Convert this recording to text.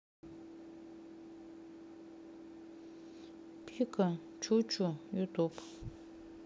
пика чучу ютуб